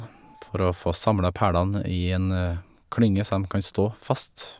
For å få samla pælene i en klynge så dem kan stå fast.